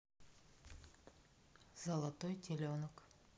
золотой теленок